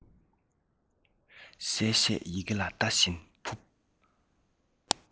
གསལ བཤད ཡི གེ ལ ལྟ བཞིན ཕུབ